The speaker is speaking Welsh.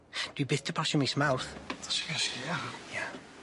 Dwi byth 'di pasio mis Mawrth. Dos i gysgu ia? Ia.